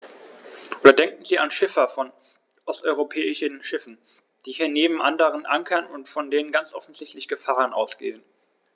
Oder denken Sie an Schiffer von osteuropäischen Schiffen, die hier neben anderen ankern und von denen ganz offensichtlich Gefahren ausgehen.